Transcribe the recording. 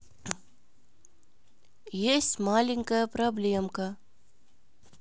есть маленькая проблемка